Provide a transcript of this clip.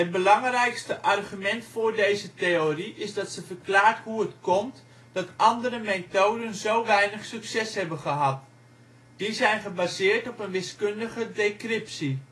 belangrijkste argument voor deze theorie is dat ze verklaart hoe het komt dat andere methoden zo weinig succes hebben gehad: die zijn gebaseerd op een wiskundige decryptie